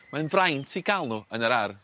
Mae'n fraint i ga'l n'w yn yr ardd.